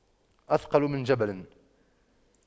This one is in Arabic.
أثقل من جبل